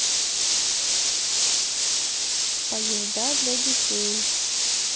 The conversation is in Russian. поезда для детей